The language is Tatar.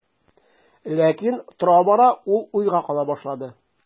Ләкин тора-бара ул уйга кала башлады.